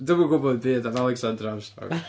Dwi'm yn gwybod dim byd Alexander Armstrong .